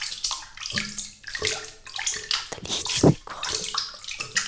отличный год